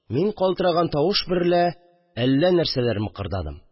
Мин калтыраган тавыш берлә әллә нәрсәләр мыкырдадым